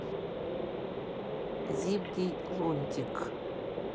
зимний лунтик